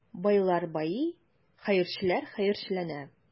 Байлар байый, хәерчеләр хәерчеләнә.